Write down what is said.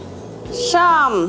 xong